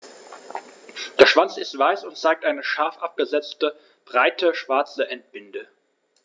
Der Schwanz ist weiß und zeigt eine scharf abgesetzte, breite schwarze Endbinde.